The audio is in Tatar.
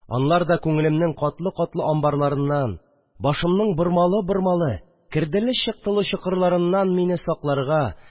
Анлар да күңелемнең катлы-катлы амбарларыннан, башымның бормалы-бормалы, керделе-чыктылы чокырларыннан мине сакларга